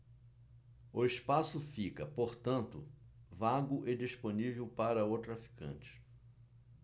o espaço fica portanto vago e disponível para o traficante